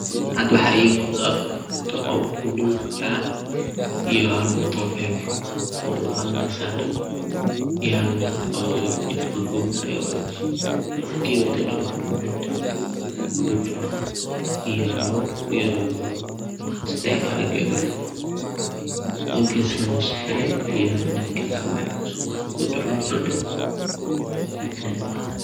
Had waxaa ii.muqad afar moto.oo baluug ah iyo hal moto oo fekoon ah oo hal nin saran iyo hal nin oo jidak goynaayo oo dhar baluug watomid baluug ah iyo sadax kale gabar oo geskaan furan iyo hal nin kale oo macwuus wato iyo funaanad